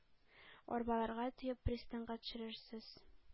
Арбаларга төяп пристаньга төшерерсез.